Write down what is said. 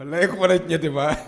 Nka e koɛ jɛ de